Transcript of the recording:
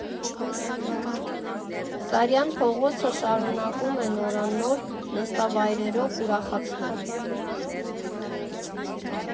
Սարյան փողոցը շարունակում է նորանոր նստավայրերով ուրախացնել։